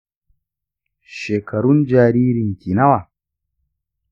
shekarun jaririnki nawa?